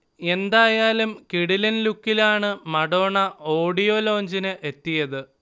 എന്തായാലും കിടിലൻ ലുക്കിലാണ് മഡോണ ഓഡിയോ ലോഞ്ചിന് എത്തിയത്